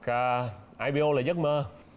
ra ai pi ô là giấc mơ